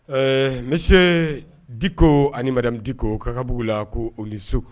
Ɛɛ misi diko ani mredi ko ka kabbugu' la ko o ni so